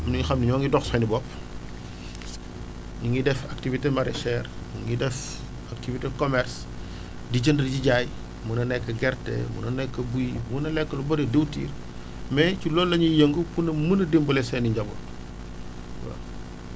am na ñoo xam ne ñoo ngi dox ak seen i bopp ñu ngi def activité maraicher ñu ngi def activité commerce di jënd di jaay ën na nekk gerte mën na nekk buy mën na nekk lu bëri diwtiir mais ci loolu la ñuy yëngu pour mën a dimbali seen i njaboot waaw